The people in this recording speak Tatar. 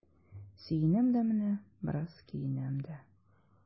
Сөенәм дә менә, бераз көенәм дә.